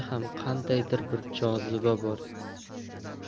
ham qandaydir bir joziba bor edi